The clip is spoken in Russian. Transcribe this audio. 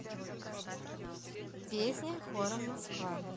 песня хором москва